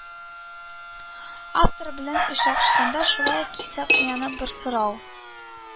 Авторы белән очрашканда шулай кисәк уянып бер сорау